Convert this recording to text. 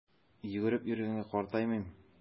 Йөгереп йөргәнгә картаймыйм!